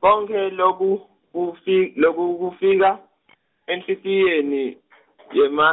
konkhe loku, kufi-, loku kufika , enhlitiyweni , yema,